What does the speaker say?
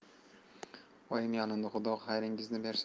oyim yalindi xudo xayringizni bersin